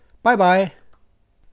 bei bei